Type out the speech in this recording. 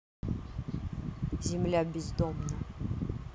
земля бездомно